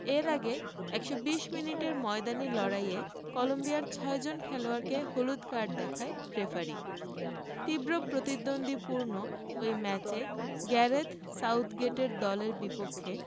এর আগে ১২০ মিনিটের ময়দানি লড়াইয়ে কলম্বিয়ার ছয়জন খেলোয়াড়কে হলুদ কার্ড দেখায় রেফারি তীব্র প্রতিদ্বন্দ্বিপূর্ণ ওই ম্যাচে গ্যারেথ সাউথগেটের দলের বিপক্ষে